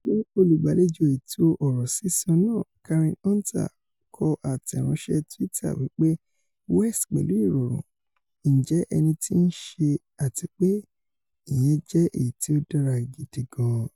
Ṣùgbọ́n olùgbàlejò ètò ọ̀rọ̀ sísọ nàà Karen Hunter kọ àtẹ̀ránṣẹ́ tweeter wí pé West pẹ̀lú ìrọ̀rùn ''njẹ́ ẹnití i ṣe àtipé ìyẹn jẹ́ èyití ó dára gídígáà́n.''